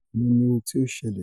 Ìyẹn ni ohun tí ó ṣẹlẹ̵̀.